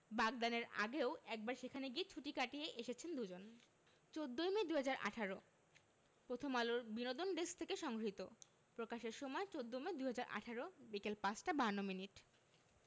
বাগদানের আগেও একবার সেখানে গিয়ে ছুটি কাটিয়ে এসেছেন দুজন ১৪ই মে ২০১৮ প্রথমআলোর বিনোদন ডেস্কথেকে সংগ্রহীত প্রকাশের সময় ১৪মে ২০১৮ বিকেল ৫টা ৫২ মিনিট